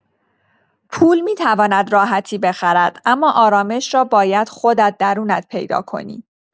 پول می‌تواند راحتی بخرد اما آرامش را باید خودت درونت پیدا کنی.